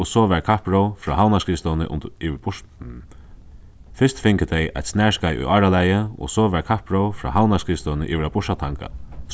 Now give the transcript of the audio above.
og so varð kappróð frá havnarskrivstovuni fyrst fingu tey eitt snarskeið í áralagi og so varð kappróð frá havnarskrivstovuni yvir á bursatanga